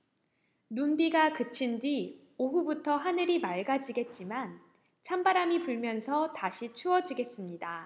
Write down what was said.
눈비가 그친 뒤 오후부터 하늘이 맑아지겠지만 찬바람이 불면서 다시 추워지겠습니다